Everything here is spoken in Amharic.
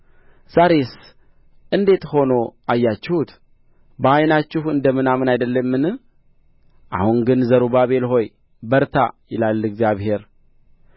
ዛሬስ እንዴት ሆኖ አያችሁት በዓይናችሁ እንደ ምናምን አይደለምን አሁን ግን ዘሩባቤል ሆይ በርታ ይላል እግዚአብሔር